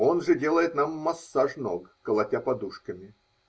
Он же делает нам массаж ног, колотя подушками.